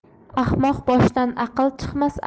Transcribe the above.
ahmoq boshdan aql chiqmas